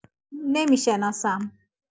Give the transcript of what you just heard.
نمی‌شناسم